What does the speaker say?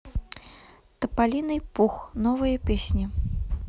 тополиный пух новая песня